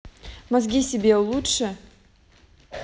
мозги себе улучши